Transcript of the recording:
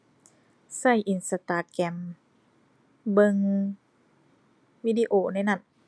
ใช้ Instagram เบิ่งวิดีโอในนั้น